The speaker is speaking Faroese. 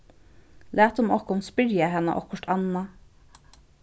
latum okkum spyrja hana okkurt annað